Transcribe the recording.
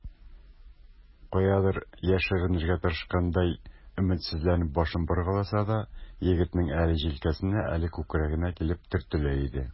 Каядыр яшеренергә тырышкандай, өметсезләнеп башын боргаласа да, егетнең әле җилкәсенә, әле күкрәгенә килеп төртелә иде.